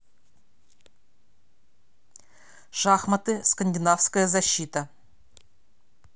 шахматы скандинавская защита